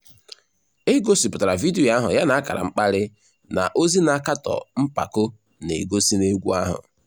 E gosipụtara vidiyo ahụ yana ákàrà mkparị na ozi na-akatọ mpako n'egosi n'egwu ahụ.